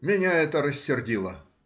Меня это рассердило.